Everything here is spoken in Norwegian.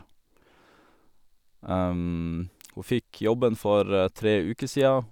Hun fikk jobben for tre uker sia.